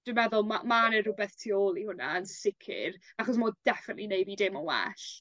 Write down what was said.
Dwi meddwl ma' ma' 'na rwbeth tu ôl i hwnna yn sicir achos ma' o definitely neud fi deimlo'n well.